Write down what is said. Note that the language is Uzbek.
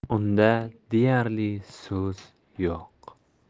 unda deyarli so'z yo'q